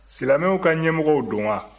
silamɛw ka ɲɛmɔgɔw don wa